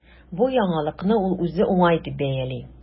Бу яңалыкны ул үзе уңай дип бәяли.